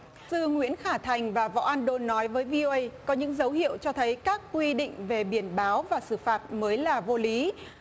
sư nguyễn khả thành và võ an đôn nói với vi âu ây có những dấu hiệu cho thấy các quy định về biển báo và xử phạt mới là vô lý